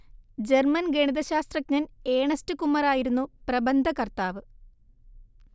German ഗണിതശാസ്ത്രജ്ഞൻ Ernst കുമ്മറായിരുന്നു പ്രബന്ധകർത്താവ്